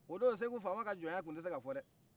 o don segu fama ka jɔn ya tun tɛse ka fɔ dɛ